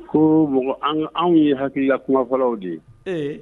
Ko mɔgɔ anw ye hakilikila kumafɔlaww de ye ee!